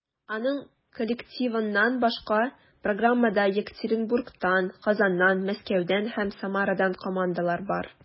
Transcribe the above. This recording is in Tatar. Аның коллективыннан башка, программада Екатеринбургтан, Казаннан, Мәскәүдән һәм Самарадан командалар бар.